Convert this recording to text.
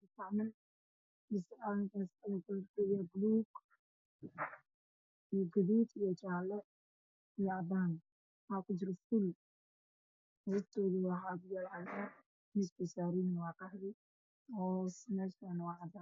Waa caagada ah waxaa ku jira cabitaan cagaaran waxaa ka danbeeyo khudaar kale oo cagaaran